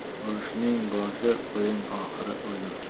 urushning boshi o'yin oxiri o'lim